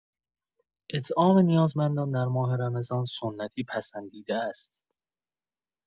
اطعام نیازمندان در ماه رمضان سنتی پسندیده است.